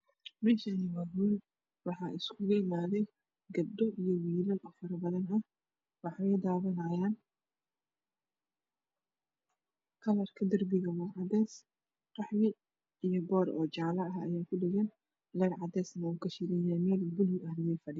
Meshaani waa hoo waxa iskugu imadeen Gabdha iyo wiilal tira badan wax pey dapanayan kalarka darpiga waa cadees iyo qaxwi iyo poor oo jaala ayaa ku dhaagan leer cadeesna wuu ka shidan yahy meel paluugna wey fadhiyaan